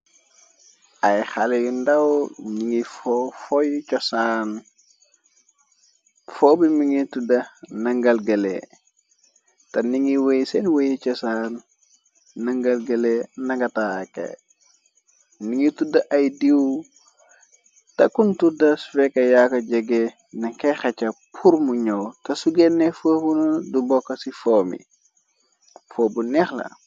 Aye xale yu ndaw nuy foo fooye cosaan foobi mingi tudda nangal gele te ningi wey seen weye cosaan nangalgele nagataake mi ngi tudda ay diiw takkun tudda sveka yaaka jege naka xeca pur mu ñyaw teh su genne fofunonu du bokk ci foo mi fobu neexla.